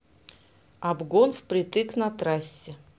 обгон впритык на трассе